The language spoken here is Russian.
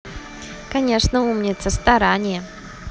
конечно умница старание